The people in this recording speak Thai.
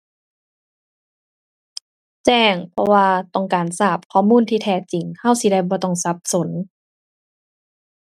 แจ้ง เพราะว่าต้องการทราบข้อมูลที่แท้จริง เราสิได้บ่ต้องสับสน